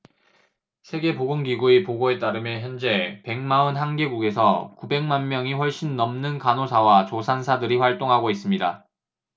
세계 보건 기구의 보고에 따르면 현재 백 마흔 한 개국에서 구백 만 명이 훨씬 넘는 간호사와 조산사들이 활동하고 있습니다